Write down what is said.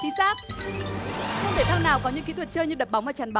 chính xác môn thể thao nào có những kỹ thuật chơi như đập bóng và chắn